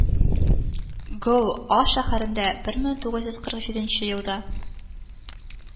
Гол а шәһәрендә бер мең тугыз йөз кырык җиденче елда